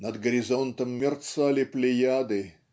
"над горизонтом мерцали плеяды